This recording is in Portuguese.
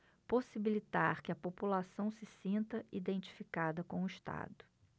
possibilitar que a população se sinta identificada com o estado